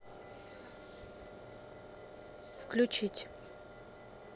включить